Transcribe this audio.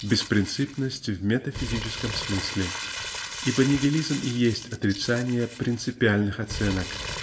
беспринципность в метафизическом смысле -- ибо нигилизм и есть отрицание принципиальных оценок